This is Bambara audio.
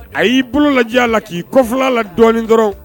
A yi bolo lajɛ la ki kɔfiɛ a la dɔɔnin dɔrɔn